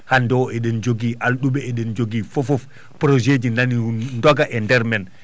hande o eɗen jogi alɗuɓe eɗen jogi fof fof projet ji nanii ndoga e ndeer men